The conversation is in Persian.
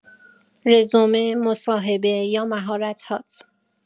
رزومه، مصاحبه یا مهارت‌هات.